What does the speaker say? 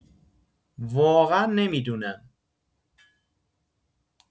واقعا نمی‌دونم.